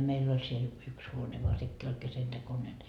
meillä oli siellä yksi huone vaan sekin oli keskentekoinen